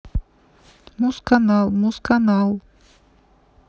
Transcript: муз канал муз канал